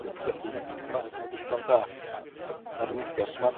yn credu na 'di Cymraeg nw ddim digon da, a'r neges ma'